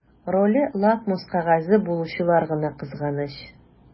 Роле лакмус кәгазе булучылар гына кызганыч.